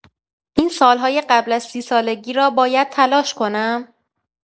این سال‌های قبل از سی‌سالگی را باید تلاش کنم؟